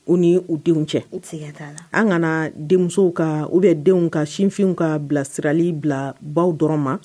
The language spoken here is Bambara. U ni u denw cɛ an kana denmuso ka u bɛ denw ka sinfinw ka bilasirali bila baw dɔrɔn ma